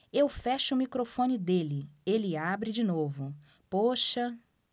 eu fecho o microfone dele ele abre de novo poxa